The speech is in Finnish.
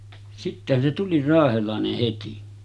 sittenhän se tuli raahelainen heti